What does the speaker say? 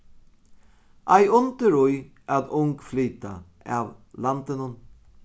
ei undur í at ung flyta av landinum